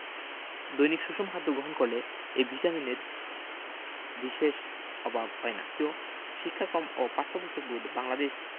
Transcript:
দৈনিক সুষম খাদ্য গ্রহণ করলে এই ভিটামিনের বিশেষ অভাব হয় না জাতীয় শিক্ষাক্রম ও পাঠ্যপুস্তক বোর্ড বাংলাদেশ